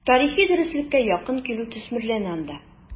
Тарихи дөреслеккә якын килү төсмерләнә анда.